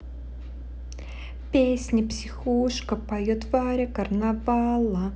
песня психушка поет варя карнавала